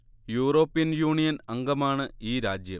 European Union അംഗമാണ് ഈ രാജ്യം